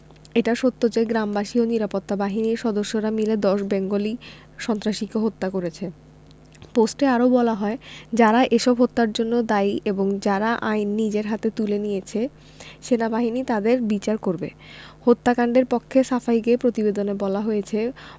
এটা সত্য যে গ্রামবাসী ও নিরাপত্তা বাহিনীর সদস্যরা মিলে ১০ বেঙ্গলি সন্ত্রাসীকে হত্যা করেছে পোস্টে আরো বলা হয় যারা এসব হত্যার জন্য দায়ী এবং যারা আইন নিজের হাতে তুলে নিয়েছে সেনাবাহিনী তাদের বিচার করবে হত্যাকাণ্ডের পক্ষে সাফাই গেয়ে প্রতিবেদনে বলা হয়েছে